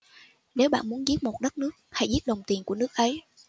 nếu bạn muốn giết một đất nước hãy giết đồng tiền của nước ấy